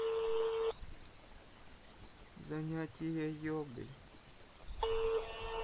занятия йогой